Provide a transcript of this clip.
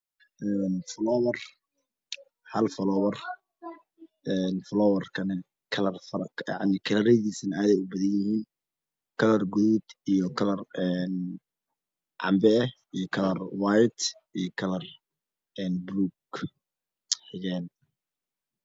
Falowar hal falowar kalaradisa aad ayeey ufara badan yihin kalar garuuda iho kalar wayd ah